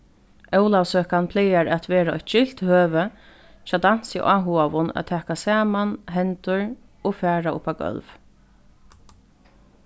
ólavsøkan plagar at vera eitt gylt høvi hjá dansiáhugaðum at taka saman hendur og fara upp á gólv